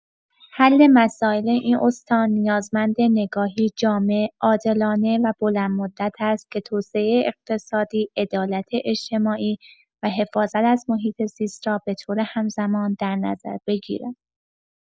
حل مسائل این استان نیازمند نگاهی جامع، عادلانه و بلندمدت است که توسعه اقتصادی، عدالت اجتماعی و حفاظت از محیط‌زیست را به‌طور هم‌زمان در نظر بگیرد.